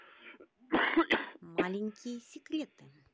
маленькие секреты